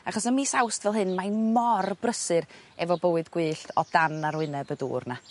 achos ym mis Awst fel hyn mae mor brysur efo bywyd gwyllt o dan arwyneb y dŵr 'na.